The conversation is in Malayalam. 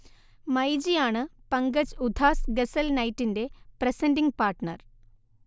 മൈജി ആണ് പങ്കജ് ഉധാസ് ഗസൽ നൈറ്റിന്റെ പ്രസന്റിംഗ് പാർട്ണർ